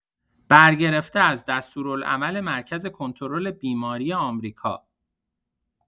برگرفته از دستورالعمل مرکز کنترل بیماری آمریکا